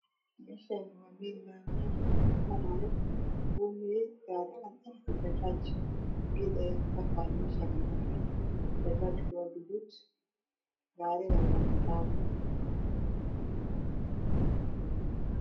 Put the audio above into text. Meeshaan waa meel laami ah waxaa maraayo hoomey iyo bajaaj. Geed ayaa kabaxaayo oo cagaaran bajaaj ka waa gaduud. Gaarigana waa cadaan.